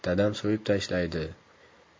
dadam so'yib tashlaydi